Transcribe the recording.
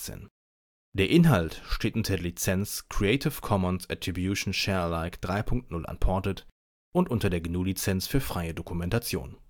Der Inhalt steht unter der Lizenz Creative Commons Attribution Share Alike 3 Punkt 0 Unported und unter der GNU Lizenz für freie Dokumentation